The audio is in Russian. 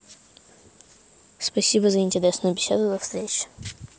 спасибо за интересную беседу до встречи